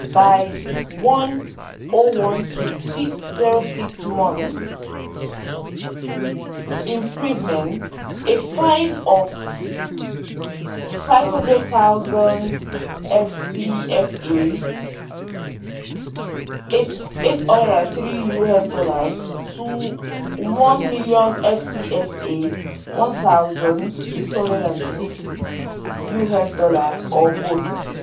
by one (01) to six (06) months imprisonment, a fine of FCFA 500,000 (USD 803) to FCFA 1,000,000 (USD 1,606), or both.